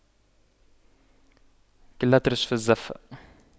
كالأطرش في الزَّفَّة